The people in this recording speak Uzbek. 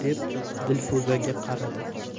deb dilfuzaga qaradi